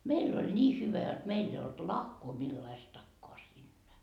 meillä oli niin hyvä jotta meillä ei ollut lahkoa millaistakaan siinä